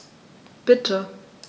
Bitte.